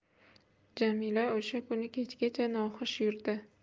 jamila o'sha kuni kechgacha noxush yurdi